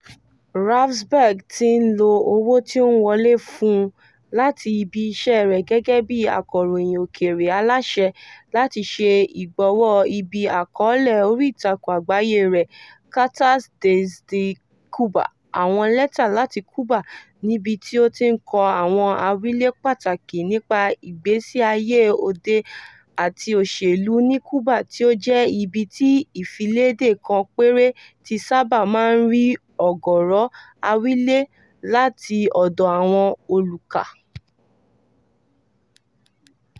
Ravsberg ti ń lo owó tí ó ń wọlé fún un láti ibi iṣẹ́ rẹ̀ gẹ́gẹ́ bíi akọ̀ròyìn òkèèrè aláṣẹ láti ṣe ìgbọ̀wọ́ ibi àkọọ́lẹ̀ oríìtakùn àgbáyé rẹ̀ "Cartas desde Cuba" (àwọn Lẹ́tà láti Cuba), níbi tí ó ti ń kọ àwọn àwílé pàtàkì nípa ìgbésí ayé òde àti òṣèlú ní Cuba, tí ó jẹ́ ibi tí ìfiléde kan péré ti sábà máa ń rí ọ̀gọ̀ọ̀rọ̀ àwílé láti ọ̀dọ̀ àwọn olùka.